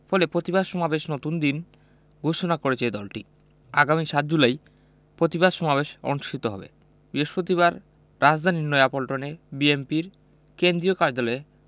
ফলে প্রতিবাদ সমাবেশের নতুন দিন ঘোষণা করেছে দলটি আগামী ৭ জুলাই প্রতিবাদ সমাবেশ অনুষ্ঠিত হবে বৃহস্পতিবার রাজধানীর নয়াপল্টনে বিএনপির কেন্দ্রীয় কার্যালয়ে